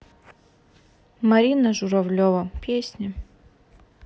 марина журавлева песни